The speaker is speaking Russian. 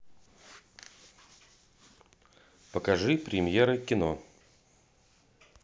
покажи премьеры кино